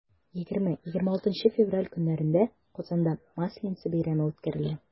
20-26 февраль көннәрендә казанда масленица бәйрәме үткәрелә.